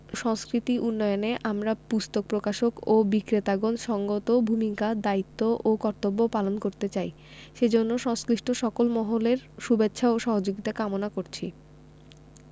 সংস্কৃতি উন্নয়নে আমরা পুস্তক প্রকাশক ও বিক্রেতাগণ সঙ্গত ভূমিকা দায়িত্ব ও কর্তব্য পালন করতে চাই সেজন্য সংশ্লিষ্ট সকল মহলের শুভেচ্ছা ও সহযোগিতা কামনা করছি